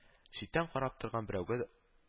Читтән карап торган берәүгә